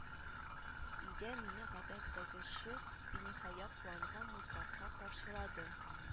Өйдә мине гадәттәгечә биниһая куанган музгарка каршылады